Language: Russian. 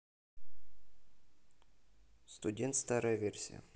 студент старая версия